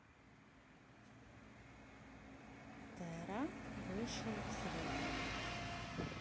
tera вышел взрывом